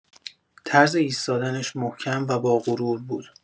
طرز ایستادنش محکم و با غرور بود.